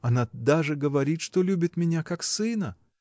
— Она даже говорит, что любит меня как сына.